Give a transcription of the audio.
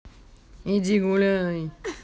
иди гуляй